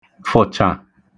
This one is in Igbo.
fə̀chà